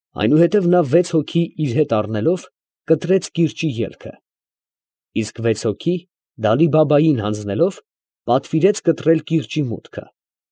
Այնուհետև նա, վեց հոգի իր հետ առնելով, կտրեց կիրճի ելքը. իսկ վեց հոգի Դալի֊Բաբային հանձնելով, պատվիրեց կտրել կիրճի մուտքը։